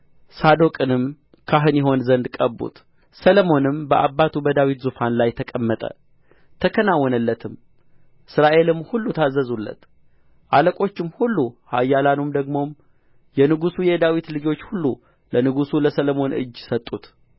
ሳዶቅንም ካህን ይሆን ዘንድ ቀቡት ሰሎሞንም በአባቱ በዳዊት ዙፋን ላይ ተቀመጠ ተከናወነለትም እስራኤልም ሁሉ ታዘዙለት አለቆቹም ሁሉ ኃያላኑም ደግሞም የንጉሡ የዳዊት ልጆች ሁሉ ለንጉሡ ለሰሎሞን እጅ ሰጡት